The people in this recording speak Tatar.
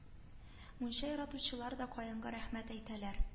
Мунча яратучылар да каенга рәхмәт әйтәләр